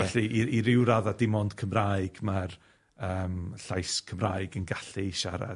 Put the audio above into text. ...felly i i ryw radda dim ond Cymraeg ma'r yym llais Cymraeg yn gallu siarad.